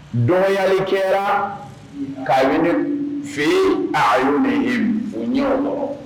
Dɔgɔyali kɛra k'a ye fɛ a' de ye u ɲɛ kɔrɔ